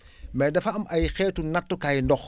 mais dafa am ay xeetu nattukaayu ndox